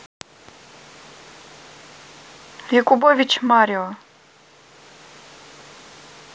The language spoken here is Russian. yakubovich марио